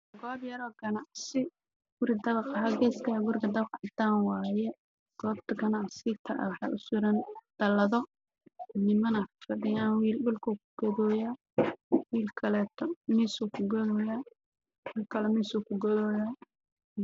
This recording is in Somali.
Waa meel dhar hudhey lagu iibiyo waxaa fadhiya nago